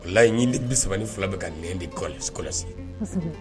Layi ɲinin de bi saba ni fila bɛ ka n de kɔlɔsi